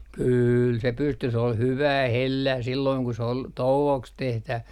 kyllä se pystyi se oli hyvää hellää silloin kun se oli touoksi -